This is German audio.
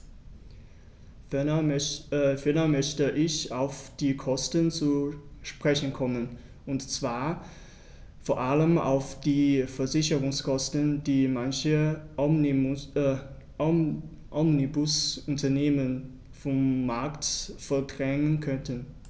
Ferner möchte ich auf die Kosten zu sprechen kommen, und zwar vor allem auf die Versicherungskosten, die manche Omnibusunternehmen vom Markt verdrängen könnten.